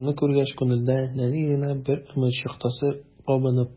Шуны күргәч, күңелдә нәни генә бер өмет чаткысы кабынып куя.